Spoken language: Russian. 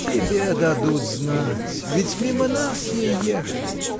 — Тебе дадут знать: ведь мимо нас ей ехать.